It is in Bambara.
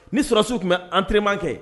Ni sɔrɔsiw tun bɛ an terireman kɛ